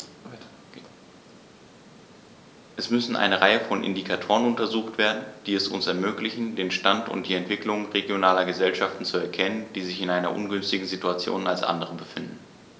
Es müssen eine Reihe von Indikatoren untersucht werden, die es uns ermöglichen, den Stand und die Entwicklung regionaler Gesellschaften zu erkennen, die sich in einer ungünstigeren Situation als andere befinden.